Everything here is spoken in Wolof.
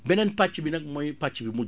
benee pàcc bi nag mooy pàcc bu mujj